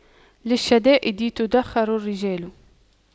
للشدائد تُدَّخَرُ الرجال